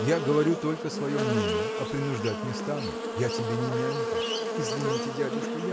я говорю только свое мнение, а принуждать не стану, я тебе не нянька. – Извините, дядюшка